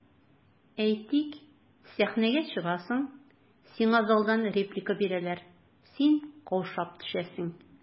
Әйтик, сәхнәгә чыгасың, сиңа залдан реплика бирәләр, син каушап төшәсең.